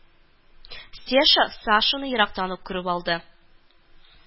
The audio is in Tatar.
Стеша Сашаны ерактан ук күреп алды